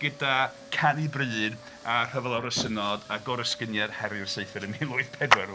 Gyda canu bri a Rhyfel y Rhosynnod a gorysgyniad Hari'r seithfed yn mil wyth pedwar.